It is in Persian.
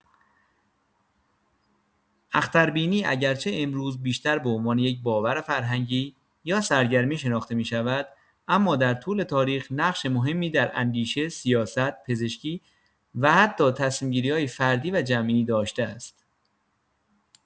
اختربینی اگرچه امروزه بیشتر به‌عنوان یک باور فرهنگی یا سرگرمی شناخته می‌شود، اما در طول تاریخ نقش مهمی در اندیشه، سیاست، پزشکی و حتی تصمیم‌گیری‌های فردی و جمعی داشته است.